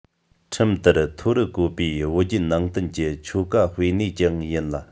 ཁྲིམས ལྟར ཐོ རུ བཀོད པའི བོད བརྒྱུད ནང བསྟན གྱི ཆོ ག སྤེལ གནས ཀྱང ཡིན ལ